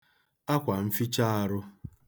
akwànficheārụ̄